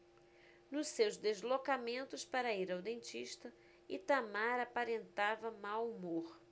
nos seus deslocamentos para ir ao dentista itamar aparentava mau humor